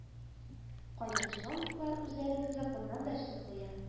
Кайбер чиновниклар үзләрен законнан да өстен куя